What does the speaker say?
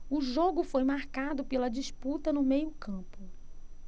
o jogo foi marcado pela disputa no meio campo